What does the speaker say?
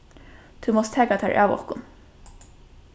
tú mást taka tær av okkum